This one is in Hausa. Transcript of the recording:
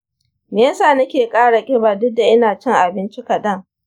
me ya sa nake ƙara kiba duk da ina cin abinci kaɗan?